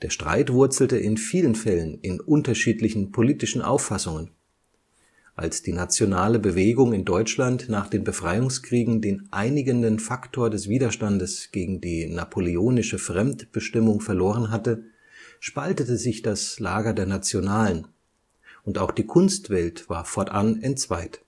Streit wurzelte in vielen Fällen in unterschiedlichen politischen Auffassungen: Als die nationale Bewegung in Deutschland nach den Befreiungskriegen den einigenden Faktor des Widerstandes gegen die napoleonische Fremdbestimmung verloren hatte, spaltete sich das Lager der Nationalen, und auch die Kunstwelt war fortan entzweit